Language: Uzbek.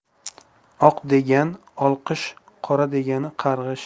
oq degan olqish qora degan qarg'ish